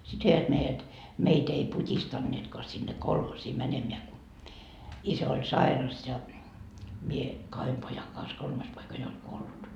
sitten veivät meidät meitä ei putistaneetkaan sinne kolhoosiin menemään kun isä oli sairas ja minä kahden pojan kanssa kolmas poika jo oli kuollut